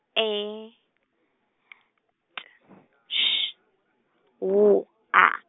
E T Š W A.